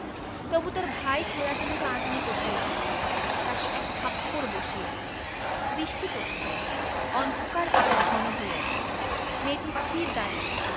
তবু তার ভাই খেলার জন্যে টানাটানি করতে লাগলে তাকে এক থাপ্পড় বসিয়ে দিলে বৃষ্টি পরছে অন্ধকার আরো ঘন হয়ে এল মেয়েটি স্থির দাঁড়িয়ে